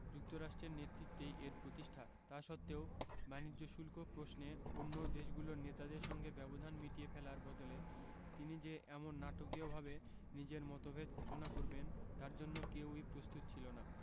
যুক্তরাষ্ট্রের নেতৃত্বেই এর প্রতিষ্ঠা তা সত্ত্বেও বাণিজ্য শুল্ক প্রশ্নে অন্য দেশগুলোর নেতাদের সঙ্গে ব্যবধান মিটিয়ে ফেলার বদলে তিনি যে এমন নাটকীয়ভাবে নিজের মতভেদ ঘোষণা করবেন তার জন্য কেউই প্রস্তুত ছিল না